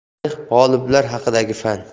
tarix g'oliblar haqidagi fan